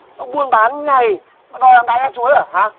ông buôn bán như này mà đòi làm đại gia chuối hả hả